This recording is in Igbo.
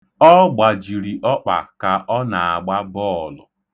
Ọ gbajiri ọkpa ka ọ na-agba bọọlụ.